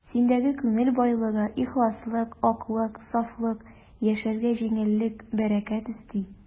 Синдәге күңел байлыгы, ихласлык, аклык, сафлык яшәргә җиңеллек, бәрәкәт өсти.